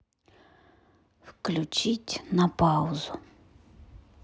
включить на паузу